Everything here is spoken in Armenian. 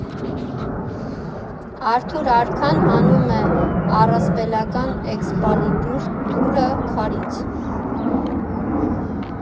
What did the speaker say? Արթուր Արքան հանում է առսպելական Էքսկալիբուր թուրը քարից…